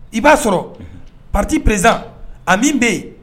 I b'a sɔrɔ pati perezsan a min bɛ yen